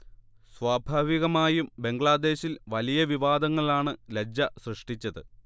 സ്വാഭാവികമായും ബംഗ്ലാദേശിൽ വലിയ വിവാദങ്ങളാണ് ലജ്ജ സൃഷ്ടിച്ചത്